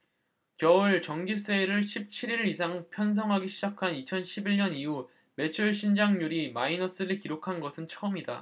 겨울 정기세일을 십 칠 일 이상 편성하기 시작한 이천 십 일 년 이후 매출신장률이 마이너스를 기록한 것은 처음이다